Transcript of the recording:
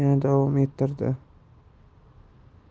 yana davom ettirdi